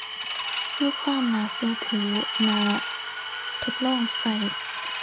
มีความน่าเชื่อถือ น่า ทดลองเชื่อ